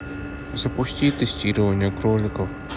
запусти тестирование кроликов